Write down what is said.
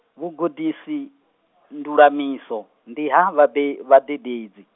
vhugudisindulamiso, ndi ha vhade- vhadededzi.